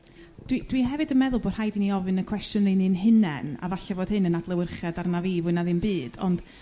dwi dwi hefyd yn meddwl bo' rhaid i ni ofyn y cwestiwn i ni'n hunen a falle fod hyn yn adlewyrchiad arnaf i fwy na ddim byd ond